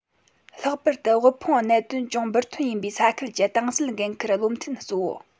ལྷག པར དུ དབུལ ཕོངས གནད དོན ཅུང འབུར ཐོན ཡིན པའི ས ཁུལ གྱི ཏང སྲིད འགན འཁུར བློ མཐུན གཙོ བོ